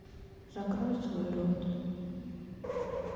закрой свой рот